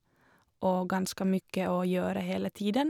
Og ganske mye å gjøre hele tiden.